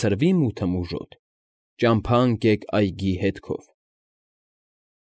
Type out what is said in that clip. Ցրվի մութը մուժոտ՝ Ճամփա ընկեք այգի հետքով։